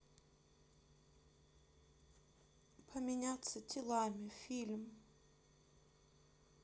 поменяться телами фильм